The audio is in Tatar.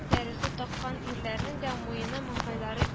Тәресе таккан ирләрнең дә муены-маңгайлары